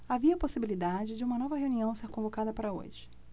havia possibilidade de uma nova reunião ser convocada para hoje